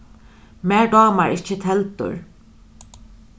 mær dámar ikki teldur